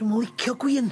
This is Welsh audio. Dwi'm yn licio gwin.